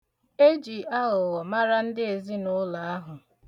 Eji aghụghọ mara ndị ezinụụlọ ahụ.